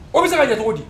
O bɛ se ka jatigi cogo di